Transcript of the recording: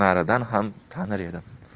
naridan ham tanir edim